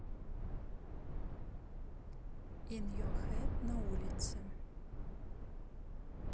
ин йо хед на улице